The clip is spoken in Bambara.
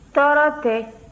tɔɔrɔ tɛ